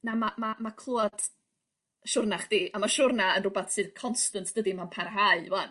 Na ma' ma' ma' clwad siwrna chdi a ma' siwrna yn rwbath sydd constant dydi ma'n parhau 'wan.